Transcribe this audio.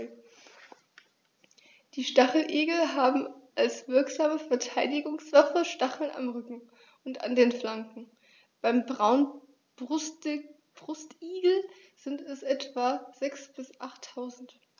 Die Stacheligel haben als wirksame Verteidigungswaffe Stacheln am Rücken und an den Flanken (beim Braunbrustigel sind es etwa sechs- bis achttausend).